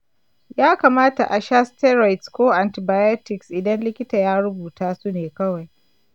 ya kamata a sha steroids da antibiotics idan likita ya rubuta su ne kawai.